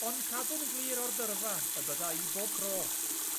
Ond cadw'n glir o'r dyrfa y bydda i bob tro